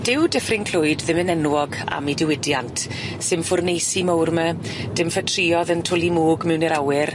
Dyw Dyffryn Clwyd ddim yn enwog am ei diwydiant sim ffwrneisi mowr 'my dim ffytriodd yn twli mwg mewn i'r awyr